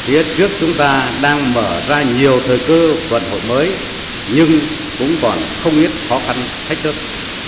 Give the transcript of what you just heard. phía trước chúng ta đang mở ra nhiều thời cơ vận hội mới nhưng cũng còn không ít khó khăn thách thức